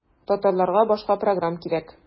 Татарларга башка программ кирәк.